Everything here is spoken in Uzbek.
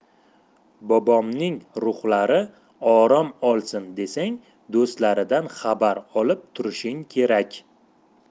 bobomning ruhlari orom olsin desang do'stlaridan xabar olib turishing kerak